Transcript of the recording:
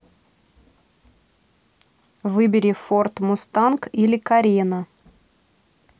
выбери форд мустанг или карена